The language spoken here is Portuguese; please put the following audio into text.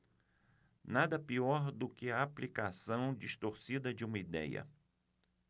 nada pior que a aplicação distorcida de uma idéia